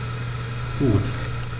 Gut.